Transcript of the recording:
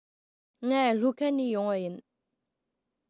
ང ལྷོ ཁ ནས ཡོང པ ཡིན